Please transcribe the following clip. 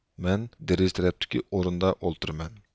مەن دېرىزە تەرەپتىكى ئورۇندا ئولتۇرىمەن